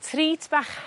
Treat bach